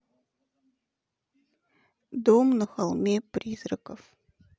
дом на холме призраков